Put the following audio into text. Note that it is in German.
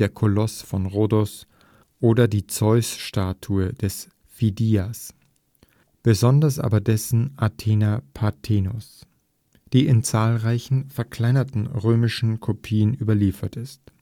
Koloss von Rhodos oder die Zeusstatue des Phidias, besonders aber dessen Athena Parthenos, die in zahlreichen verkleinerten römischen Kopien überliefert ist